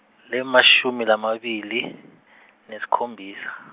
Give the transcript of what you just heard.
lemashumi lamabili , nesikhombisa.